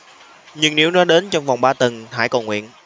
nhưng nếu nó đến trong vòng ba tuần hãy cầu nguyện